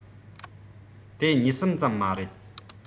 དེ གཉིས གསུམ ཙམ མ རེད